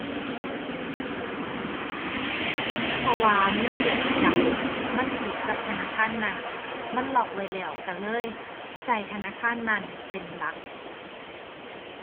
เพราะว่าเงินเดือนประจำมันผูกกับธนาคารนั้น มันล็อกไว้แล้ว ก็เลยก็ธนาคารนั้นเป็นหลัก